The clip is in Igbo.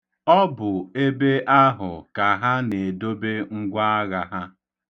Ọ bụ ebe ahụ ka ha na-edobe ngwaagha ha.